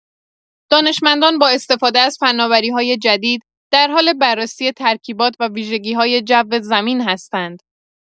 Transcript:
دانشمندان با استفاده از فناوری‌های جدید، در حال بررسی ترکیبات و ویژگی‌های جو زمین هستند.